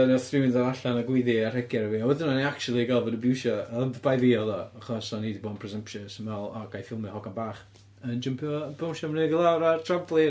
wnaeth rywun ddod allan a gweiddi a rhegi arna fi a wedyn o'n i actually gal fy'n abiwsio, ond bai fi oedd o achos on i 'di bod yn presumptuous yn meddwl o ga i ffilimio hogan bach yn jympio a bownsio i fyny ag i lawr ar trampolîn